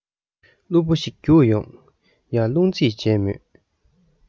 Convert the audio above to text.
སློབ བུ ཞིག བརྒྱུགས ཡོང ཡར སློང རྩིས བྱས མོད